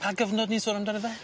Pa gyfnod ni'n sôn amdano fe?